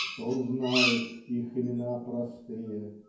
- Кто знает Их имена простые?